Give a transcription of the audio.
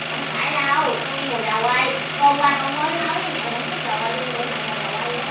hông phải đâu con nghe mùi gà quay hôm qua con mới nói với mẹ là con thích gà quay cho nên bữa nay mẹ làm gà quay nữa